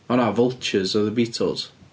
O na vultures oedd y Beatles.